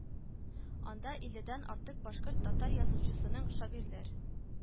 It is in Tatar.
Анда илледән артык башкорт, татар язучысының шагыйрьләр